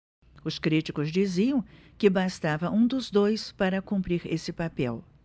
os críticos diziam que bastava um dos dois para cumprir esse papel